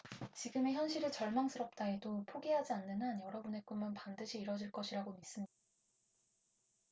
지금의 현실이 절망스럽다 해도 포기하지 않는 한 여러분의 꿈은 반드시 이뤄질 것이라고 믿습니다